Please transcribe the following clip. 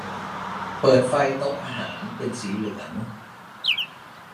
เปิดไฟโต๊ะทานอาหารเป็นสีเหลือง